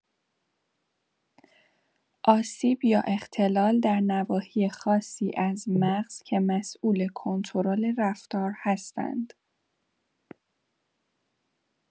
آسیب یا اختلال در نواحی خاصی از مغز که مسئول کنترل رفتار هستند